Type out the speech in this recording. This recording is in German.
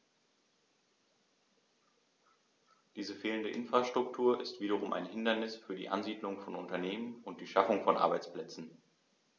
Diese fehlende Infrastruktur ist wiederum ein Hindernis für die Ansiedlung von Unternehmen und die Schaffung von Arbeitsplätzen.